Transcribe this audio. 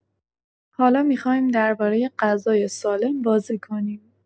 حالا می‌خوایم درباره غذای سالم بازی کنیم.